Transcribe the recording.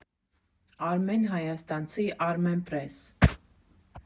Արմեն Հայաստանցի Արմենպրես։